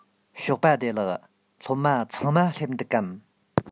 ཞོགས པ བདེ ལེགས སློབ མ ཚང མ སླེབས འདུག གམ